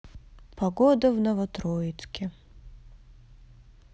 погода в новотроицке